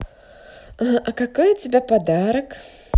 а какой у тебя подарок